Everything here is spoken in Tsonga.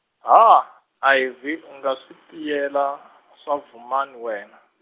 ha, Ivy u nga swi tiyela , swa Vhumani wena?